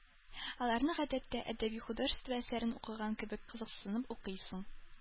Аларны, гадәттә, әдәби-художество әсәрен укыган кебек кызыксынып укыйсың.